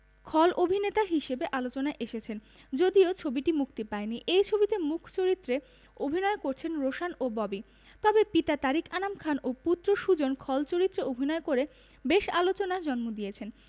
খল অভিননেতা হিসেবে আলোচনায় এসেছেন যদিও ছবিটি মুক্তি পায়নি এই ছবিতে মূখ চরিত্রে অভিনয় করছেন রোশান ও ববি তবে পিতা তারিক আনাম খান ও পুত্র সুজন খল চরিত্রে অভিনয় করে বেশ আলোচনার জন্ম দিয়েছেন